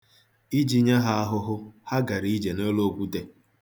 Iji nye ha ahụhụ, ha gara ije n'elu okwute